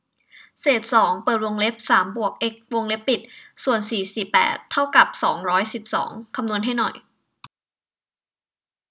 เศษสองเปิดวงเล็บสามบวกเอ็กซ์วงเล็บปิดส่วนสี่สิบแปดเท่ากับสองร้อยสิบสองคำนวณให้หน่อย